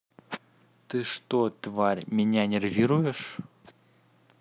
ты что тварь меня нервируешь